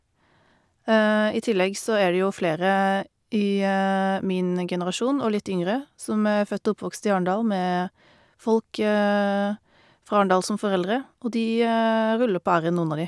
I tillegg så er det jo flere i min generasjon og litt yngre, som er født og oppvokst i Arendal med folk fra Arendal som foreldre, og de ruller på r-en, noen av de.